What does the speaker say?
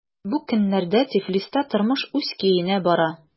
Бу көннәрдә Тифлиста тормыш үз көенә бара.